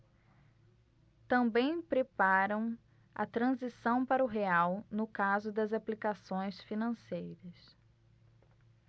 também preparam a transição para o real no caso das aplicações financeiras